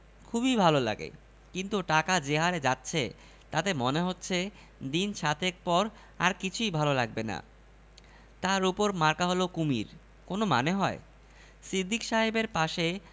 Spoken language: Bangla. কত অদ্ভুত সংগঠন যে বের হচ্ছে আজ সকালে চাঁদা চাইতে একদল আসল তিনি হাসিমুখে বললেন বাবারা তােমাদের সমিতির নাম কি বিবিসি শ্রবণ সমিতি